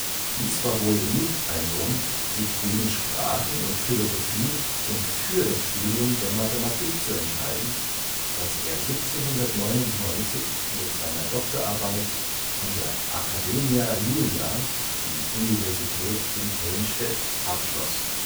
Dies war wohl mit ein Grund, sich gegen Sprachen und Philosophie und für das Studium der Mathematik zu entscheiden, das er 1799 mit seiner Doktorarbeit an der Academia Julia (Universität in Helmstedt) abschloss